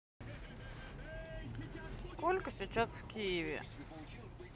сколько сейчас в киеве